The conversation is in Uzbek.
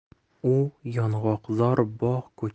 u yong'oqzor bog'